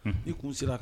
I kunu sera kan